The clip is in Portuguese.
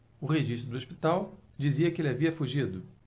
o registro do hospital dizia que ele havia fugido